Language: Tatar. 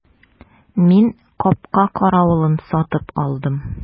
Мин капка каравылын сатып алдым.